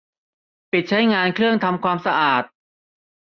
ปิดใช้งานเครื่องทำความสะอาด